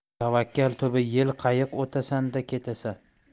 tavakkal tubi yel qayiq o'tasan da ketasan